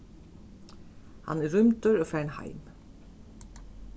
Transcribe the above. hann er rýmdur og farin heim